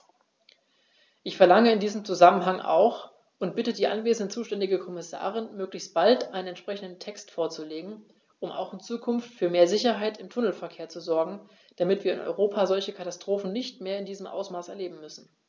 Ich verlange in diesem Zusammenhang auch und bitte die anwesende zuständige Kommissarin, möglichst bald einen entsprechenden Text vorzulegen, um auch in Zukunft für mehr Sicherheit im Tunnelverkehr zu sorgen, damit wir in Europa solche Katastrophen nicht mehr in diesem Ausmaß erleben müssen!